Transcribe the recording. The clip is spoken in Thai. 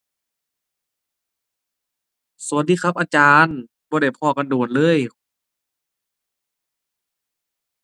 สวัสดีครับอาจารย์ บ่ได้พ้อกันโดนเลย